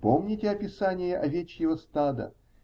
Помните описание овечьего стада?